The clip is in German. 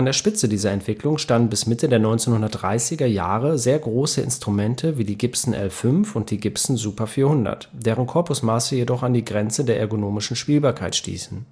Spitze dieser Entwicklung standen bis Mitte der 1930er Jahre sehr große Instrumente wie die Gibson L-5 und die Gibson Super 400, deren Korpusmaße jedoch an die Grenze der ergonomischen Spielbarkeit stießen